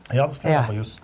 ja den skreiv jeg på juss.